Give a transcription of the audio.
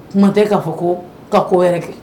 Kuma tɛ k'a fɔ ko ka ko wɛrɛ kɛ